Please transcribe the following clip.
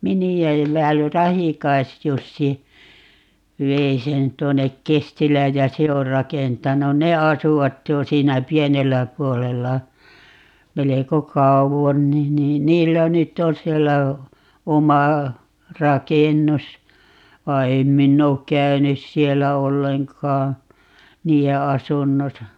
miniä elää jo Rahikais-Jussi vei sen tuonne Kestilään ja se on rakentanut ne asuivat jo siinä pienellä puolella melko kauan niin niin niillä nyt on siellä oma rakennus vaan en minä ole käynyt siellä ollenkaan niiden asunnossa